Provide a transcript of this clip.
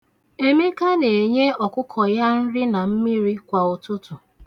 Emeka na-enye ọkụkụ ya nri na mmiri kwa ụtụtụ.